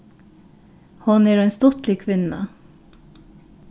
hon er ein stuttlig kvinna